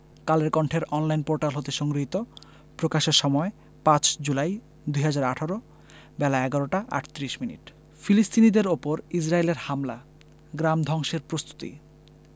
কালের কন্ঠের online portal হতে সংগৃহীত প্রকাশের সময় ৫ জুলাই ২০১৮ বেলা ১১টা ৩৮ মিনিট ফিলিস্তিনিদের ওপর ইসরাইলের হামলা গ্রাম ধ্বংসের প্রস্তুতি